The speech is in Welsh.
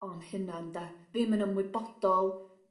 O'n hunan 'de? Ddim yn ymwybodol